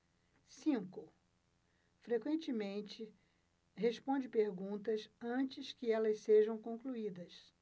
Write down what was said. cinco frequentemente responde perguntas antes que elas sejam concluídas